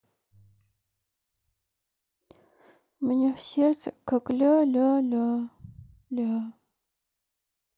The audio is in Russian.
у меня в сердце как ля ля ля ля